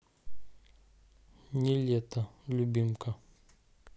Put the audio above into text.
нилетто любимка